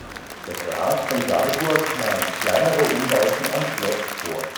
Der Graf von Salburg nahm kleinere Umbauten am Schloss vor